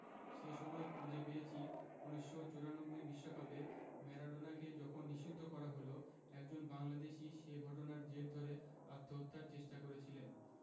সে সময় খুঁজে পেয়েছি ১৯৯৪ বিশ্বকাপে ম্যারাডোনাকে যখন নিষিদ্ধ করা হলো একজন বাংলাদেশি সে ঘটনার জের ধরে আত্মহত্যার চেষ্টা করেছিলেন